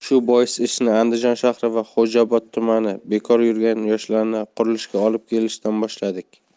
shu bois ishni andijon shahri va xo'jaobod tumanida bekor yurgan yoshlarni qurilishga olib kelishdan boshladik